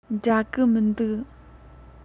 འདྲ གི མི འདུག